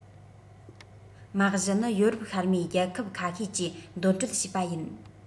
མ གཞི ནི ཡོ རོབ ཤར མའི རྒྱལ ཁབ ཁ ཤས ཀྱིས འདོན སྤྲོད བྱས པ ཡིན